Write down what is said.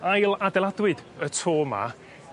ail adeladwyd y to 'ma